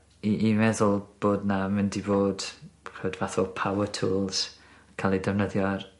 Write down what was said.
i i meddwl bod 'na mynd i fod ch'od fath o power tools ca'l eu ddefnyddio ar